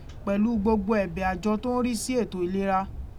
Pẹ̀lú gbogbo ẹ̀bẹ̀ àjọ tó ń rí sí ètò ìlera